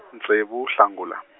ntsevu Nhlangula.